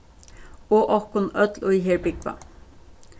og okkum øll ið her búgva